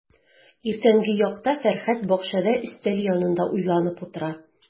Иртәнге якта Фәрхәт бакчада өстәл янында уйланып утыра.